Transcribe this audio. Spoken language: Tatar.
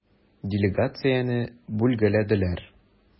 Делегацияне бүлгәләделәр.